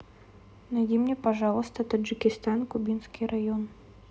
найди мне пожалуйста таджикистан кубинский район